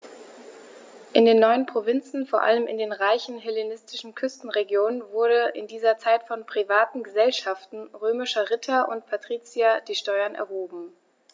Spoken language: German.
In den neuen Provinzen, vor allem in den reichen hellenistischen Küstenregionen, wurden in dieser Zeit von privaten „Gesellschaften“ römischer Ritter und Patrizier die Steuern erhoben.